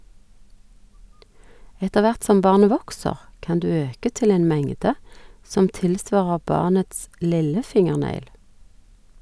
Etter hvert som barnet vokser, kan du øke til en mengde som tilsvarer barnets lillefingernegl.